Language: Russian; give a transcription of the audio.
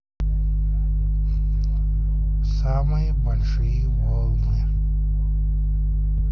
самые большие волны